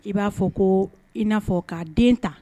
I b'a fɔ ko i n'afɔ k'a den ta